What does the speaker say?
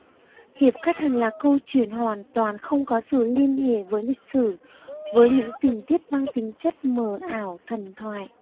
hiệp khách hành là câu chuyện hoàn toàn không có sự liên hệ với lịch sử với những tình tiết mang tính chất mờ ảo thần thoại